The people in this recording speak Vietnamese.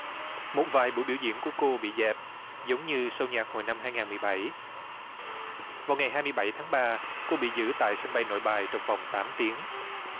một vài buổi biểu diễn của cô bị dẹp giống như sâu nhạc hồi năm hai ngàn mười bảy vào ngày hai mươi bảy tháng ba cô bị giữ tại sân bay nội bài trong vòng tám tiếng